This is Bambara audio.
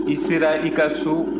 i sera i ka so